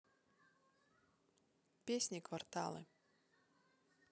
песни кварталы